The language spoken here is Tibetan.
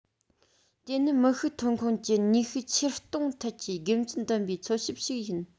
དེ ནི མི ཤུགས ཐོན ཁུངས ཀྱི ནུས ཤུགས ཆེར གཏོང ཐད ཀྱི དགེ མཚན ལྡན པའི འཚོལ ཞིབ ཞིག ཡིན